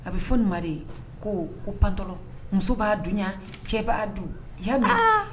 A bɛ fɔ ko ko pant muso b'a dunɲa cɛ b'a don yan